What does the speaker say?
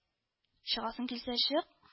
- чыгасың килсә, чык